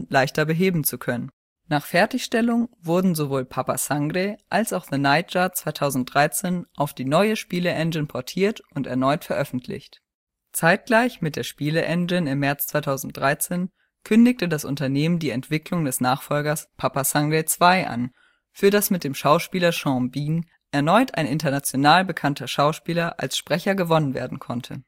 leichter beheben zu können. Nach Fertigstellung wurden sowohl Papa Sangre als auch The Nightjar 2013 auf die neue Spielengine portiert und erneut veröffentlicht. Zeitgleich mit der Spiele-Engine im März 2013 kündigte das Unternehmen die Entwicklung des Nachfolgers Papa Sangre 2 an, für das mit dem Schauspieler Sean Bean erneut ein international bekannter Schauspieler als Sprecher gewonnen werden konnte